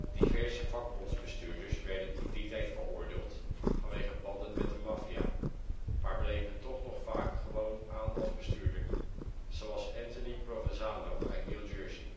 Diverse vakbondsbestuurders werden in die tijd veroordeeld vanwege banden met de maffia, maar bleven toch nog vaak gewoon aan als bestuurder, zoals Anthony Provenzano uit New Jersey